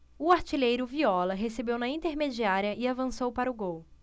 o artilheiro viola recebeu na intermediária e avançou para o gol